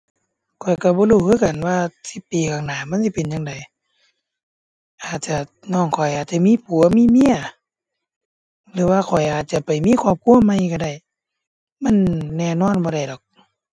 ข้อยก็บ่รู้คือกันว่าสิบปีข้างหน้ามันสิเป็นจั่งใด อาจจะ น้องข้อยอาจสิมีผัวมีเมีย หรือว่าข้อยอาจจะไปมีครอบครัวใหม่ก็ได้ มันแน่นอนบ่ได้ดอก